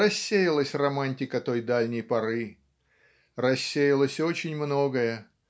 Рассеялась романтика той дальней поры рассеялось очень многое